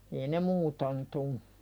ei ne muuten tule